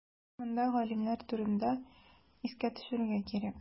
Монда галимнәр турында искә төшерергә кирәк.